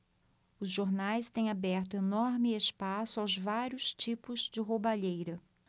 os jornais têm aberto enorme espaço aos vários tipos de roubalheira